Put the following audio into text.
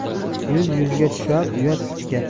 yuz yuzga tushar uyat ichga